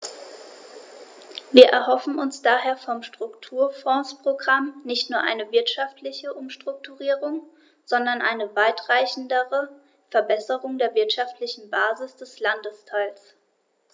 Wir erhoffen uns daher vom Strukturfondsprogramm nicht nur eine wirtschaftliche Umstrukturierung, sondern eine weitreichendere Verbesserung der wirtschaftlichen Basis des Landesteils.